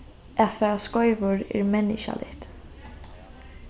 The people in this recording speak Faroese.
at fara skeivur er menniskjaligt